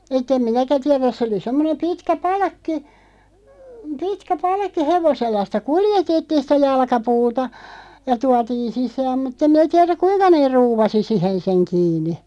että en minäkään tiedä se oli semmoinen pitkä palkki pitkä palkki hevosella sitä kuljetettiin sitä jalkapuuta ja tuotiin sisään mutta en minä tiedä kuinka ne ruuvasi siihen sen kiinni